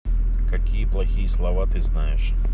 какие плохие слова ты знаешь